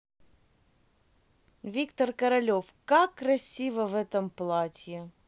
виктор королев как красиво в этом платье